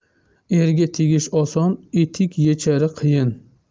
erga tegish oson etik yechari qiyin